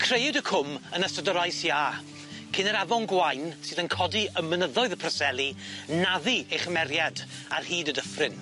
Creuwyd y cwm yn ystod yr oes iâ cyn i'r afon Gwaun sydd yn codi ym mynyddoedd y Preseli naddu ei chymeriad ar hyd y dyffryn.